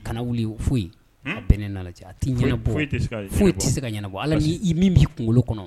Kana foyi ye bɛn' a tɛ ɲɛna bɔ tɛ foyi tɛ se ka ɲɛna bɔ ala min b'i kunkolo kɔnɔ